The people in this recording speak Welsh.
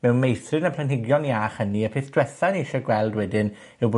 mewn meithrin y planhigion iach hynny. Y peth dwetha ni isie gweld wedyn yw bod